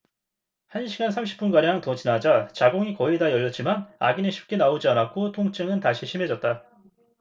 한 시간 삼십 분가량 더 지나자 자궁이 거의 다 열렸지만 아기는 쉽게 나오지 않았고 통증은 다시 심해졌다